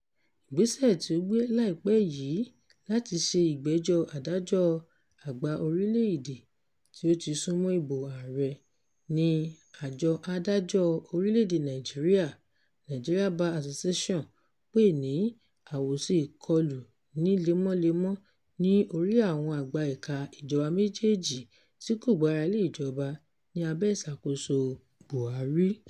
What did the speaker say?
Ìgbésẹ̀ tí ó gbé láì pẹ́ yìí láti ṣe ìgbẹ́jọ́ Adájọ́ Àgbà orílẹ̀ èdè — tí ó ti sún mọ́ ìbò ààrẹ — ni Àjọ Adájọ́ orílẹ̀ èdè Nàìjíríà Nigerian Bar Association pè ní "àwòṣe ìkọlù ní lemọ́lemọ́ ní orí àwọn àgbà ẹ̀ka ìjọba méjèèjì tí-kò-gbáralé ìjọba" ní abẹ́ ìṣàkóso Buhari.